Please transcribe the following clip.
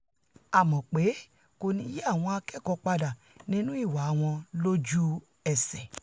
A mọ̀pé kòní yí àwọn akẹ́kọ̀ọ́ padà' nínú ìwà wọn lójú-ẹṣẹ̀.